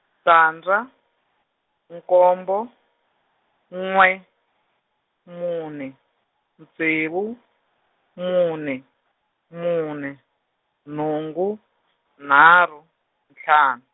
tandza, nkombo, n'we, mune, ntsevu, mune mune nhungu nharhu ntlhanu.